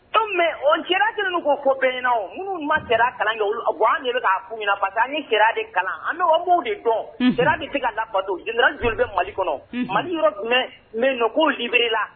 An mais o kɛra kɛlendo k'o fɔ bɛ ɲɛna o minnu ma kɛra kalan kɛ olu o bon an de bɛ k'a f'u ɲɛna parce que an ye kɛra de kalan an b'o an b'o de dɔn o unhun kɛra bɛ se ka labato o général joli bɛ Mali kɔnɔ unhun Mali yɔrɔ jumɛn me yen nɔ k'o libérer la